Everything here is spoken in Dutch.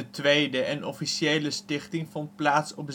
tweede en officiële stichting vond plaats op